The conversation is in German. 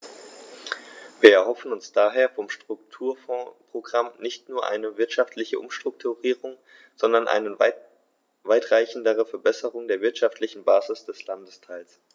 Wir erhoffen uns daher vom Strukturfondsprogramm nicht nur eine wirtschaftliche Umstrukturierung, sondern eine weitreichendere Verbesserung der wirtschaftlichen Basis des Landesteils.